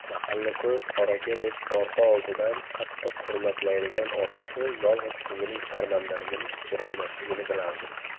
mahalla ko'y qori aka deb orqa oldidan qattiq hurmatlaydigan otasi yolg'iz qizining sharmandaligini kechirolmasligini bilardi